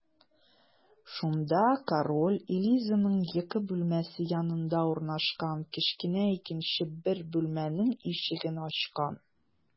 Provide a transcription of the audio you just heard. Шунда король Элизаның йокы бүлмәсе янында урнашкан кечкенә икенче бер бүлмәнең ишеген ачкан.